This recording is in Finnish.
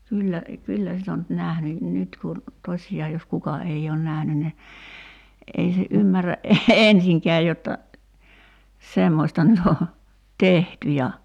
kyllä kyllä sitä on nyt nähnyt nyt kun tosiaan jos kuka ei ole nähnyt niin ei se ymmärrä ensinkään jotta semmoista nyt on tehty ja